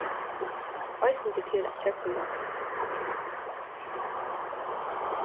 eisini ber til at gjøgnumhugsa